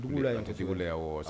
Dugu yan tɛ cogo la yan wa